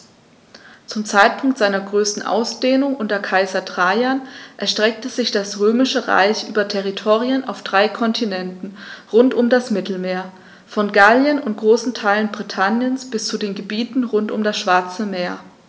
Zum Zeitpunkt seiner größten Ausdehnung unter Kaiser Trajan erstreckte sich das Römische Reich über Territorien auf drei Kontinenten rund um das Mittelmeer: Von Gallien und großen Teilen Britanniens bis zu den Gebieten rund um das Schwarze Meer.